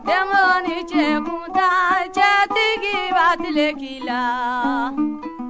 denmusonin cɛkunntan cɛtigi b'a tile k'i la